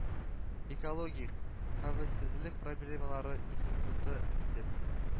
Экологик хәвефсезлек проблемалары институты итеп